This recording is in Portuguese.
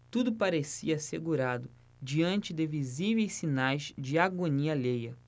tudo parecia assegurado diante de visíveis sinais de agonia alheia